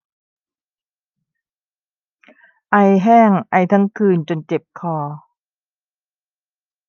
ไอแห้งไอทั้งคืนจนเจ็บคอ